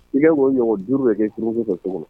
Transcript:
I ka' ɲɔgɔn duuru bɛ kɛ i fɛ so kɔnɔ